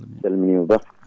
mi salminima Ba